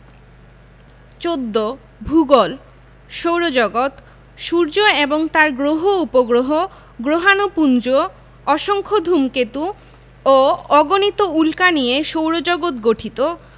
১৪ ভূগোল সৌরজগৎ সূর্য এবং তার গ্রহ উপগ্রহ গ্রহাণুপুঞ্জ অসংখ্য ধুমকেতু ও অগণিত উল্কা নিয়ে সৌরজগৎ গঠিত